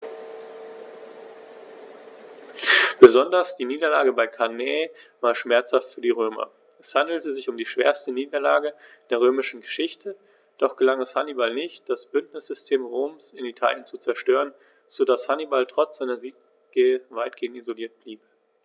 Besonders die Niederlage bei Cannae war schmerzhaft für die Römer: Es handelte sich um die schwerste Niederlage in der römischen Geschichte, doch gelang es Hannibal nicht, das Bündnissystem Roms in Italien zu zerstören, sodass Hannibal trotz seiner Siege weitgehend isoliert blieb.